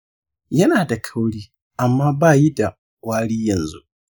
yana da kauri amma bayida wari yanzu.